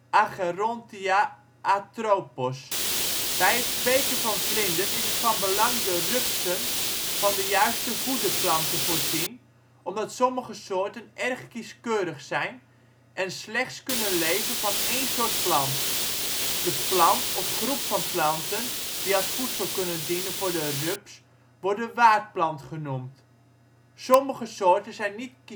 Acherontia atropos). Bij het kweken van vlinders is het van belang de rupsen van de juiste voederplant te voorzien, omdat sommige soorten erg kieskeurig zijn en slechts kunnen leven van één soort plant. De plant of groep van planten die als voedsel kunnen dienen voor de rups wordt de waardplant genoemd. Sommige soorten zijn niet